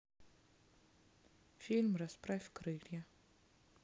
фильм расправь крылья